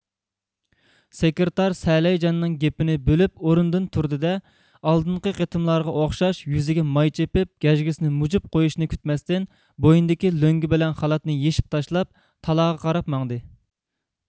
سېكىرتار سەلەيجاننىڭ گېپىنى بۆلۈپ ئورنىدىن تۇردى دە ئالدىنقى قېتىملارغا ئوخشاش يۈزىگە ماي چېپىپ گەجگىسىنى مۇجۇپ قويۇشنى كۈتمەستىن بوينىدىكى لۆڭگە بىلەن خالاتنى يېشىپ تاشلاپ تالاغا قاراپ ماڭدى